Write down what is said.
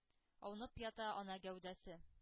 Аунап ята ана гәүдәсе.